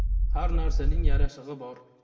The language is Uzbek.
har narsaning yarashig'i bor